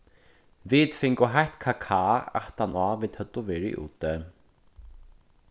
vit fingu heitt kakao aftaná vit høvdu verið úti